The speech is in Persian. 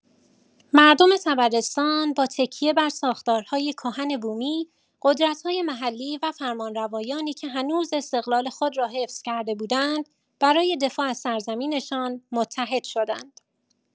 مردم طبرستان با تکیه بر ساختارهای کهن بومی، قدرت‌های محلی و فرمانروایانی که هنوز استقلال خود را حفظ کرده بودند، برای دفاع از سرزمینشان متحد شدند.